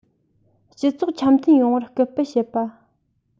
སྤྱི ཚོགས འཆམ མཐུན ཡོང བར སྐུལ སྤེལ བྱེད པ